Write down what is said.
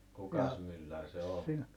kukas mylläri se oli